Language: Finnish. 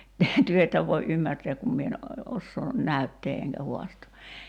te ette voi ymmärtää kun minä en osaa näyttää enkä haastaa